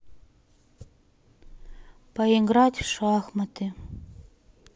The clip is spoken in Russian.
поиграть в шахматы